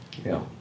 Iawn.